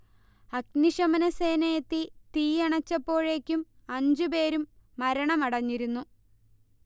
അഗ്നിശമന സേന എത്തി തീ അണച്ചപ്പോഴേക്കും അഞ്ചു പേരും മരണമടഞ്ഞിരുന്നു